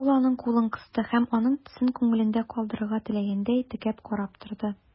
Ул аның кулын кысты һәм, аның төсен күңелендә калдырырга теләгәндәй, текәп карап торды.